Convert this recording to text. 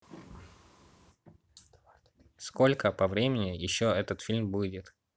сколько по времени еще этот фильм будет